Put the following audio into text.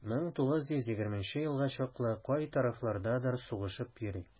1920 елга чаклы кай тарафлардадыр сугышып йөри.